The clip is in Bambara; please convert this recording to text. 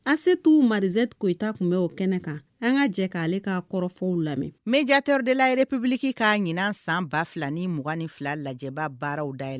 An se t'u marie coeyita tun bɛ o kɛnɛ kan an ka jɛ k'ale k kaa kɔrɔfɔfɔw lamɛn mɛ jater delayrepiliki k kaa ɲinan san 20 ni 22 fila lajɛbaa baaraw da